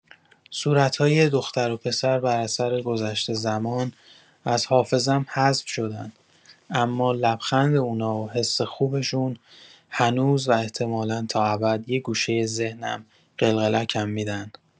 صورت‌های دختر و پسر بر اثر گذشت زمان از حافظه‌ام حذف شدن، اما لبخند اونا و حس خوبشون هنوز و احتمالا تا ابد یه گوشۀ ذهنم قلقلکم می‌دن.